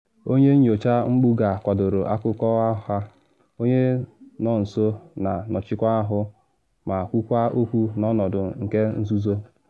Onye nyocha mpụga kwadoro akụkọ ha, onye nọ nso na nchịkwa ahụ ma kwukwaa okwu n’ọnọdụ nke nzuzo.